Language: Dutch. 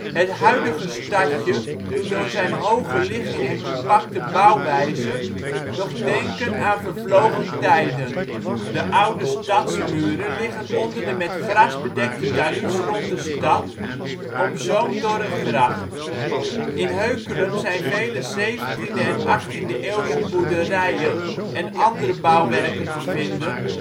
Het huidige stadje doet door zijn hoge ligging en compacte bouwwijze nog denken aan vervlogen tijden. De oude stadsmuren liggen onder de met gras bedekte taluds rond de stad, omzoomd door een gracht. In Heukelum zijn vele 17e en 18e eeuwse boerderijen en andere bouwwerken te vinden